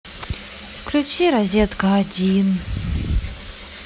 включи розетка один